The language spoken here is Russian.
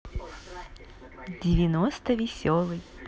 девяносто веселый